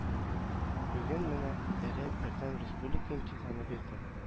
Бүген менә ерэ бердәм республика имтиханы бирдем